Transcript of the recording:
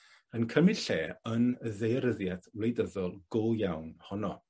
yn cymyd lle yn ddearyddieth wleidyddol go iawn honno.